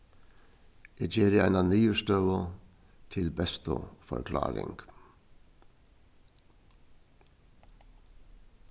eg geri eina niðurstøðu til bestu forkláring